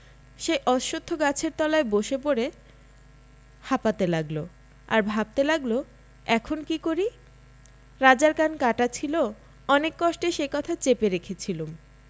সেই অশ্বখ গাছের তলায় বসে পড়ে হাঁপাতে লাগল আর ভাবতে লাগল এখন কী করি রাজার কান কাটা ছিল অনেক কষ্টে সে কথা চেপে রেখেছিলুম